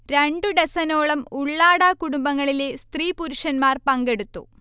രണ്ടു ഡസനോളം ഉള്ളാട കുടുംബങ്ങളിലെ സ്ത്രീ-പുരുഷന്മാർ പങ്കെടുത്തു